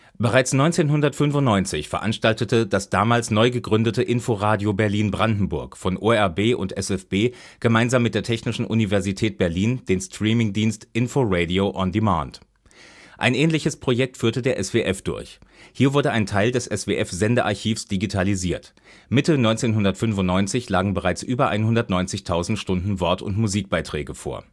Bereits 1995 veranstaltete das damals neu gegründete Info-Radio Berlin-Brandenburg von ORB und SFB gemeinsam mit der Technischen Universität Berlin den Streaming-Dienst Info-Radio on Demand. Ein ähnliches Projekt führte der SWF durch. Hier wurde ein Teil des SWF-Sendearchivs digitalisiert. Mitte 1995 lagen bereits über 190.000 Stunden Wort - und Musikbeiträge vor